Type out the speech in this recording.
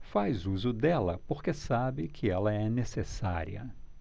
faz uso dela porque sabe que ela é necessária